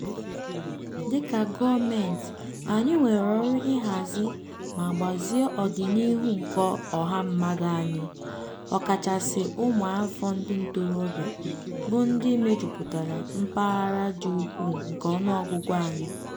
Dịka Gọọmenti anyị nwere ọrụ ịhazi ma gbazie ọdịnihu nke ọha mmadụ anyị, ọkachasị ụmụafọ ndị ntorobịa, bụ ndị mejupụtara mpaghara dị ukwuu nke ọnụọgụgụ anyị.